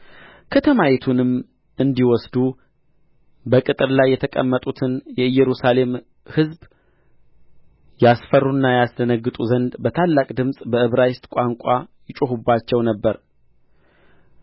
ከተማይቱንም እንዲወስዱ በቅጥር ላይ የተቀመጡትን የኢየሩሳሌም ሕዝብ ያስፈሩና ያስደነግጡ ዘንድ በታላቅ ድምፅ በዕብራይስጥ ቋንቋ ይጮኹባቸው ነበር